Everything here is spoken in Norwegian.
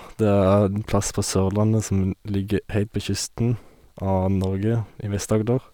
Det er en plass på Sørlandet som ligger heilt på kysten av Norge, i Vest-Agder.